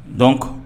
Dɔn